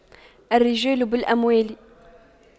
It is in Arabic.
الرجال بالأموال